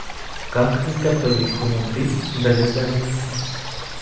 как изготовить хомуты для заливки